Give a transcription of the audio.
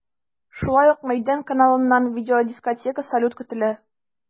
Шулай ук “Мәйдан” каналыннан видеодискотека, салют көтелә.